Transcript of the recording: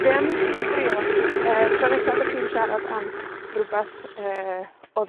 Be' am i chi drio yy tro nesa 'dach chi'n siarad am rwbeth yy odd